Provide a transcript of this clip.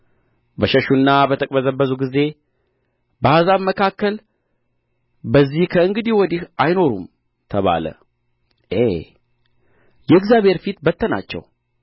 በሸሹና በተቅበዘበዙ ጊዜ በአሕዛብ መካከል በዚህ ከእንግዲህ ወዲህ አይኖሩም ተባለ ዔ የእግዚአብሔር ፊት በተናቸው